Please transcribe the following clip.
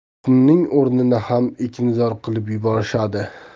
qumning o'rnini ham ekinzor qilib yuborishadi